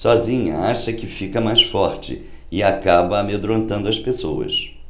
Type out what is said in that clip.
sozinha acha que fica mais forte e acaba amedrontando as pessoas